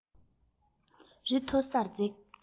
རི མཐོ སར འཛེགས